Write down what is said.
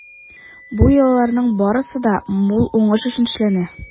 Бу йолаларның барысы да мул уңыш өчен эшләнә.